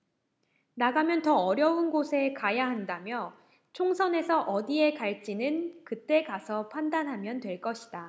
나가면 더 어려운 곳에 가야 한다며 총선에서 어디에 갈지는 그 때 가서 판단하면 될 것이다